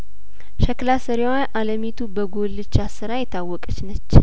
ሸክላ ሰሪዋ አለሚቱ በጉልቻ ስራ የታወቀችነች